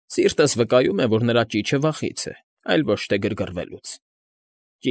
Սիրտս վկայում է, որ նրա ճիչը վախից է, այլ ոչ թե գրգռվելուց։